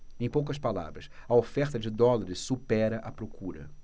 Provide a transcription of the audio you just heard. em poucas palavras a oferta de dólares supera a procura